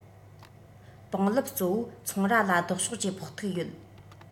པང ལེབ གཙོ བོ ཚོང ར ལ ལྡོག ཕྱོགས ཀྱི ཕོག ཐུག ཡོད